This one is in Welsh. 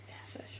Ia sesh.